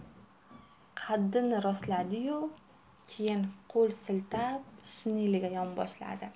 qaddini rostladi yu keyin qo'l siltab shineliga yonboshladi